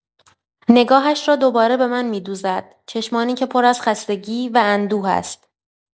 نگاهش را دوباره به من می‌دوزد، چشمانی که پر از خستگی و اندوه است.